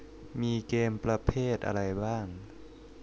มีเกมประเภทอะไรบ้าง